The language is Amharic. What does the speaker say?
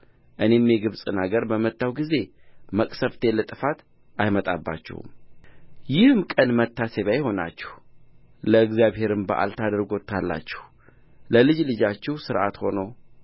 እኔም የግብፅን አገር በመታሁ ጊዜ መቅሰፍቱ ለጥፋት አይመጣባችሁም ይህም ቀን መታሰቢያ ይሁናችሁ ለእግዚአብሔርም በዓል ታደርጉታላችሁ ለልጅ ልጃችሁ ሥርዓት ሆኖ